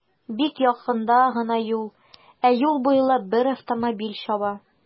Бик якында гына юл, ә юл буйлап бер автомобиль чаба.